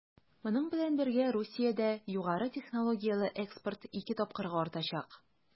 Моның белән бергә Русиядә югары технологияле экспорт 2 тапкырга артачак.